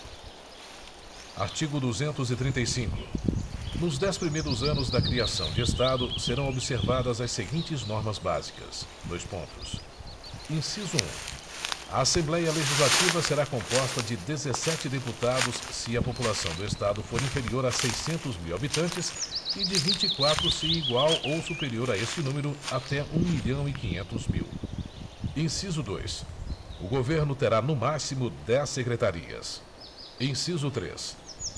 artigo duzentos e trinta e cinco nos dez primeiros anos da criação de estado serão observadas as seguintes normas básicas dois pontos inciso um a assembléia legislativa será composta de dezessete deputados se a população do estado for inferior a seiscentos mil habitantes e de vinte e quatro se igual ou superior a esse número até um milhão e quinhentos mil inciso dois o governo terá no máximo dez secretarias inciso três